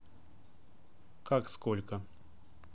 как сколько